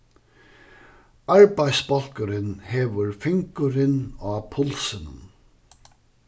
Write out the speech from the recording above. arbeiðsbólkurin hevur fingurin á pulsinum